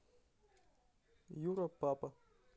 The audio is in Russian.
юра папа